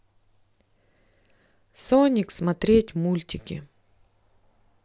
соник смотреть мультики